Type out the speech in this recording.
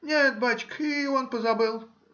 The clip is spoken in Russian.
— Нет, бачка, и он позабыл.